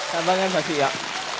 dạ vâng em chào chị ạ